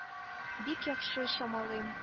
Бик яхшы чамалыйм.